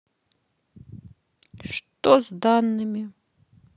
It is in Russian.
что с данными